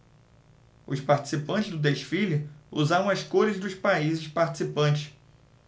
os participantes do desfile usavam as cores dos países participantes